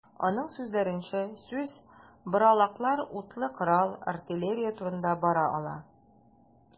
Аның сүзләренчә, сүз боралаклар, утлы корал, артиллерия турында бара ала.